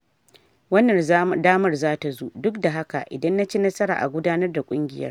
Wannan damar za ta zo, duk da haka, idan na ci nasara a gudanar da kungiyar."